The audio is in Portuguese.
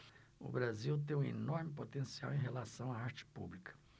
o brasil tem um enorme potencial em relação à arte pública